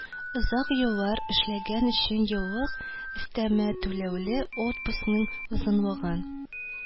Озак еллар эшләгән өчен еллык өстәмә түләүле отпускның озынлыгын,